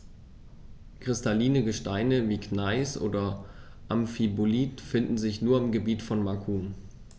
Kristalline Gesteine wie Gneis oder Amphibolit finden sich nur im Gebiet von Macun.